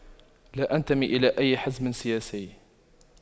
لا أنتمي إلى أي حزب سياسي